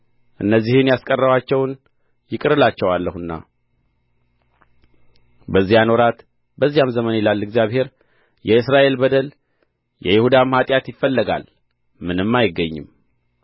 እነዚህን ያስቀረኋቸውን ይቅር እላቸዋለሁና በዚያን ወራት በዚያም ዘመን ይላል እግዚአብሔር የእስራኤል በደል የይሁዳም ኃጢአት ይፈለጋል ምንም አይገኝም